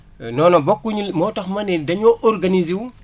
non non bokkuénu moo tax ma ni dañoo organiser wu